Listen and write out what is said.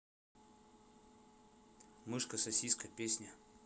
мышка сосиска песня